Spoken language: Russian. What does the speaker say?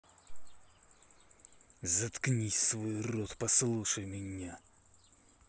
заткнись свой рот послушай меня